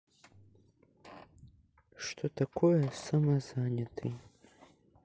что такое самозанятый